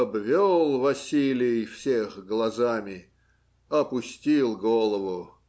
Обвел Василий всех глазами, опустил голову